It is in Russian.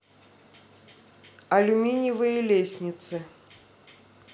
алюминиевые лестницы